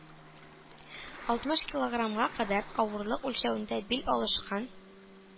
Алтмыш килограммга кадәрге авырлык үлчәвендә бил алышкан